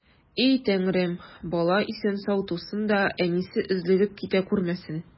И Тәңрем, бала исән-сау тусын да, әнисе өзлегеп китә күрмәсен!